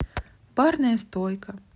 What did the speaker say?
барная стойка